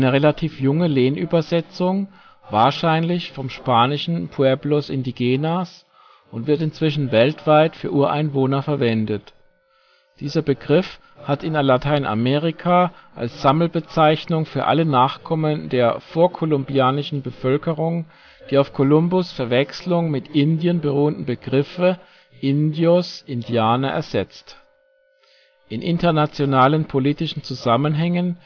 relativ junge Lehnübersetzung, wahrscheinlich vom spanischen Pueblos indígenas und wird inzwischen weltweit für " Ureinwohner " verwendet. Dieser Begriff hat in Lateinamerika als Sammelbezeichnung für alle Nachkommen der vorkolumbianischen Bevölkerung die auf Kolumbus ' Verwechslung mit Indien beruhenden Begriffe Indios/Indianer ersetzt. In internationalen politischen Zusammenhängen